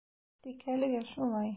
Тик әлегә шулай.